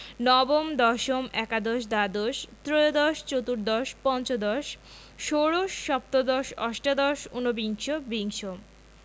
নবম দশম একাদশ দ্বাদশ ত্ৰয়োদশ চতুর্দশ পঞ্চদশ ষোড়শ সপ্তদশ অষ্টাদশ উনবিংশ বিংশ